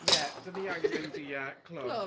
Ie, dan ni angen mynd i Clwb... Clwb.